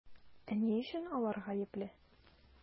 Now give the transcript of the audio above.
Ә ни өчен алар гаепле?